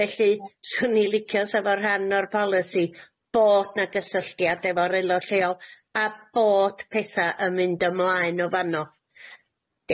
Felly swn i licios efo rhan o'r polisi bod na gysylltiad efo'r elod lleol a bod petha yn mynd ymlaen o fano. Dioch.